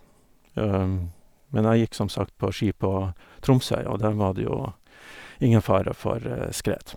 Men jeg gikk som sagt på ski på Tromsøya, og der var det jo ingen fare for skred.